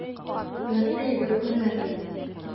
Өметле егет күренәсең.